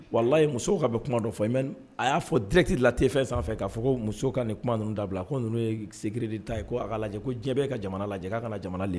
Walayi muso ka bɛ kuma dɔ fɔ mɛ a y'a fɔ dti la tenfɛn k'a fɔ ko muso ka nin kuma ninnu dabila ko ninnu ye segri ta ye ko a ka lajɛ ko jɛ bɛ ka jamana lajɛ k' ka na jamana de